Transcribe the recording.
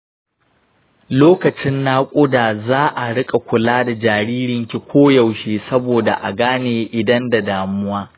lokacin naƙuda za'a riƙa kula da jaririnki koyaushe saboda a gane idan da damuwa